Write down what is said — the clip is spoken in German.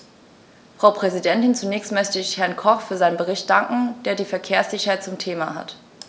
Frau Präsidentin, zunächst möchte ich Herrn Koch für seinen Bericht danken, der die Verkehrssicherheit zum Thema hat.